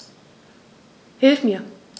Hilf mir!